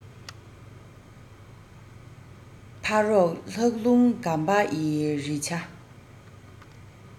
ཕོ རོག ལྷགས རླུང འགམ པ ཡི རེ འཕྱ